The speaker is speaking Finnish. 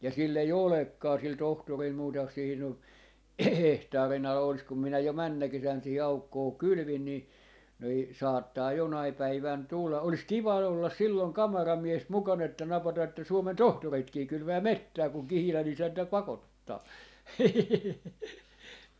ja sillä ei olekaan sillä tohtorilla muuta siihen on hehtaarin ala olisi kun minä jo menneenä kesänä siihen aukkoon kylvin niin niin saattaa jonain päivänä tulla olisi kiva olla silloin kameramies mukana että napata että Suomen tohtoritkin kylvää metsää kun Kihilän isäntä pakottaa